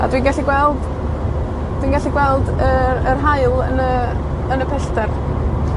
A dwi gallu gweld, dwi'n gallu gweld y, yr haul yn y, yn y pellter.